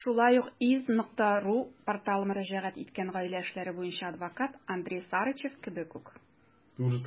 Шулай ук iz.ru порталы мөрәҗәгать иткән гаилә эшләре буенча адвокат Андрей Сарычев кебек үк.